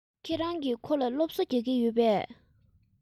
ཁྱེད རང གིས ཁོ ལ སློབ གསོ རྒྱག གི ཡོད པས